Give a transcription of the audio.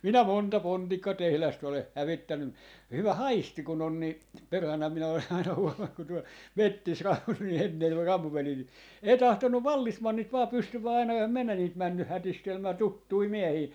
minä monta pontikkatehdasta olen hävittänyt - hyvä haisti kun on niin perhana minä olen aina huomannut kun tuolla metsissä ei tahtonut vallesmannit vain pystyä aina enhän minä niitä mennyt hätistelemään tuttuja miehiä